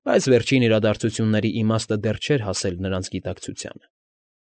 Բայց վերջին իրադարձությունների իմաստը դեռ չէր հասել նրանց գիտակցությանը։